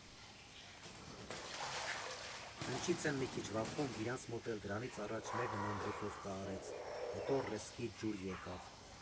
Ընչից եմ մի քիչ վախում՝ իրանց մոտ էլ դրանից առաջ մեր նման դուխովկա արեց, հետո ռեզկի ջուր եկավ։